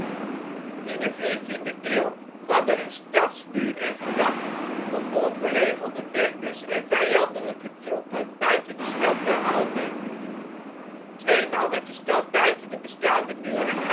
In de 14e eeuw kwam er een stadsmuur en - gracht om ongeregelde bendes en vijandelijke troepen buiten de stad te houden. Tweemaal werd de stad buiten de bestaande muren